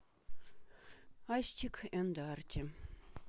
астик энд арти